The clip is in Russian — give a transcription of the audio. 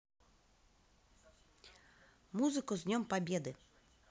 музыку с днем победы